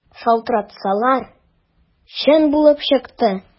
Шалтыратсалар, чын булып чыкты.